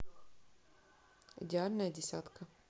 идеальная десятка